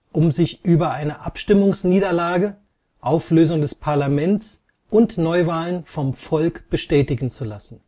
um sich über eine Abstimmungsniederlage, Auflösung des Parlaments und Neuwahlen vom Volk bestätigen zu lassen